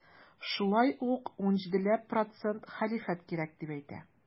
Шулай ук 17 ләп процент хәлифәт кирәк дип әйтә.